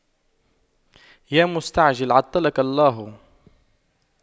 يا مستعجل عطلك الله